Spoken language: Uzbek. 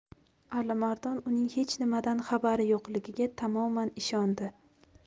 alimardon uning hech nimadan xabari yo'qligiga tamoman ishondi